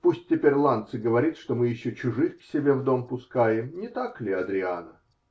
-- Пусть теперь Ланци говорит, что мы еще чужих к себе в дом пускаем, не так ли, Адриана?